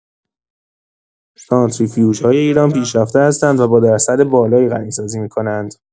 سانترفیوژهای ایران پیشرفته هستند و با درصد بالایی غنی‌سازی می‌کنند.